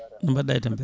no mbaɗɗa e tampere